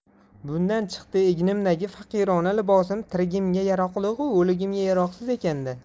bundan chiqdi egnimdagi faqirona libosim tirigimga yaroqligu o'ligimga yaroqsiz ekan da